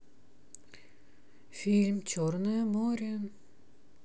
фильм черное море